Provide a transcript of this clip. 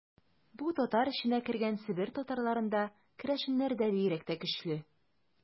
Бу татар эченә кергән Себер татарларында, керәшеннәрдә бигрәк тә көчле.